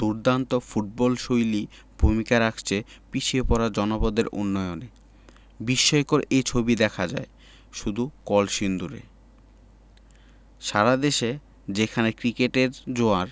দুর্দান্ত ফুটবলশৈলী ভূমিকা রাখছে পিছিয়ে পড়া জনপদের উন্নয়নে বিস্ময়কর এই ছবি দেখা যায় শুধু কলসিন্দুরে সারা দেশে যেখানে ক্রিকেটের জোয়ার